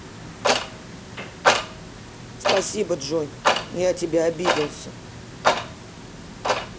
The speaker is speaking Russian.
спасибо джой я тебя обиделся